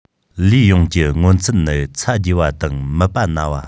ལུས ཡོངས ཀྱི མངོན ཚུལ ནི ཚ རྒྱས པ དང མིད པ ན བ